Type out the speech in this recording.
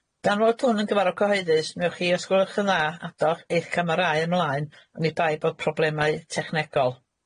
Gan fod hwn yn cyfarfod cyhoeddus, newch chi os gwelwch yn dda adal eich camerâu ymlaen, oni bai bod problemau technegol.